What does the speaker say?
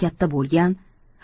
katta bo'lgan